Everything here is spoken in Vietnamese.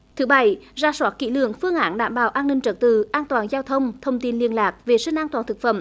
thứ bảy rà soát kỹ lưỡng phương án đảm bảo an ninh trật tự an toàng giao thông thông tin liên lạc vệ sinh an toàn thực phẩm